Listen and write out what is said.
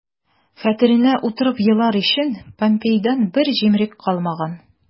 Хәтеренә утырып елар өчен помпейдан бер җимерек калмаган...